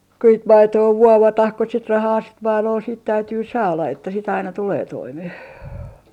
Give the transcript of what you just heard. kun sitten maitoa vuovataan kun sitten rahaa sitten maidolla siitä täytyy saada että sitten aina tulee toimeen